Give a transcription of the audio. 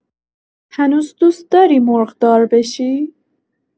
هنوز دوست‌داری مرغدار بشی؟